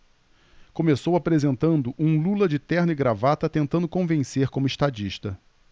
começou apresentando um lula de terno e gravata tentando convencer como estadista